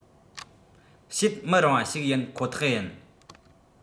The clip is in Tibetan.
བྱེད མི རུང བ ཞིག ཡིན ཁོ ཐག ཡིན